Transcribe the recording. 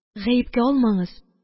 Гаепкә алмаңыз,